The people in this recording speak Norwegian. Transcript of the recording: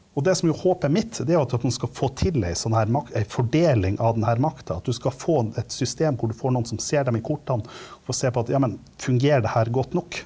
og det som jo er håpet mitt det er jo at at man skal få til ei sånn her ei fordeling av den her makta, at du skal få et system hvor du får noen som ser dem i kortene for å se på at ja, men fungerer det her godt nok?